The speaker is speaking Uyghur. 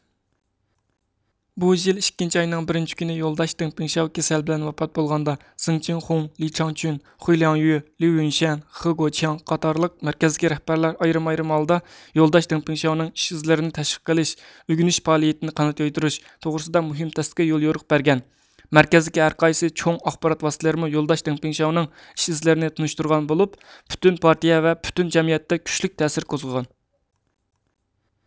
بۇ يىل ئىككىنچى ئاينىڭ بىرىنچى كۈنى يولداش دېڭپىڭشاۋ كېسەل بىلەن ۋاپات بولغاندا زېڭچىڭخۇڭ لىچاڭچۈن خۇيلياڭيۈ ليۇيۈنشەن خېگوچىياڭ قاتارلىق مەركەزدىكى رەھبەرلەر ئايرىم ئايرىم ھالدا يولداش دېڭپىڭشاۋنىڭ ئىش ئىزلىرىنى تەشۋىق قىلىش ئۆگىنىش پائالىيىتىنى قانات يايدۇرۇش توغرىسىدا مۇھىم تەستىقىي يوليورۇق بەرگەن مەركەزدىكى ھەرقايسى چوڭ ئاخبارات ۋاسىتىلىرىمۇ يولداش دېڭپىڭشاۋنىڭ ئىش ئىزلىرىنى تونۇشتۇرغان بولۇپ پۈتۈن پارتىيە ۋە پۈتۈن جەمئىيەتتە كۈچلۈك تەسىر قوزغىغان